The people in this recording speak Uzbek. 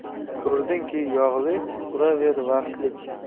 ko'rdingki yog'lik uraver vaqtlik